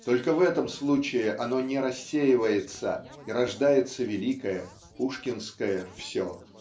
только в этом случае оно не рассеивается и рождается великое пушкинское "все".